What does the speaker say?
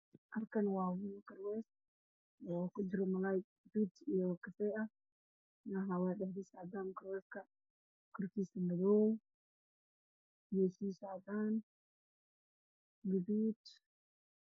Halkani wa mel wxana ku jira malay gudud iyo kafee ah korkisa madow hostisa cadan gaduud